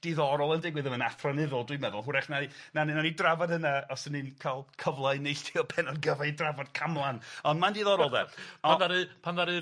...diddorol yn digwydd efo'n athronyddol, dwi'n meddwl, hwrach 'nai na ne nawn ni drafod hynna os 'yn ni'n ca'l cyfla i neilltuo pennod gyfa i drafod Camlan on' mae'n diddorol de. On-... Pan ddaru, pan ddaru...